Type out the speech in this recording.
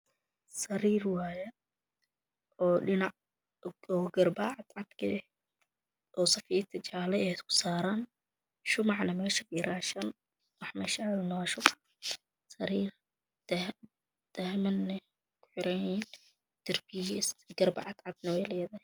Sariir wayee odhinac garpaha cadcad ka ah oo sariirta jaale eh saran shumac iyo raashin iyo dahaman ku xiran yahe darpiisna garpa cad cadna wey leedahe